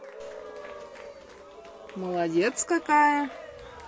молодец какая